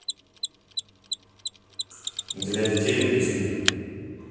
для детей песни